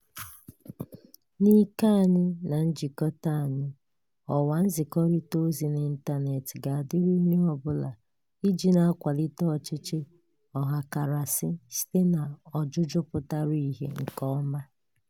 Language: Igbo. N'ike anyị na njikọta anyị, ọwa nzikọrịta ozi n'ịntaneetị ga-adịịrị onye ọbụla iji na-akwalite ọchịchị ọhakarasị site n'ọjụjụ pụtara ihe nke ọma.